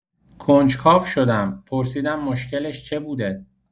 کنجکاو شدم؛ پرسیدم مشکلش چه بوده؟